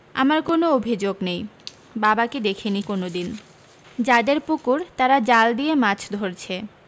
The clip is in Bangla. আমার কোন অভি্যোগ নেই বাবাকে দেখিনি কোনদিন যাদের পুকুর তারা জাল দিয়ে মাছ ধরছে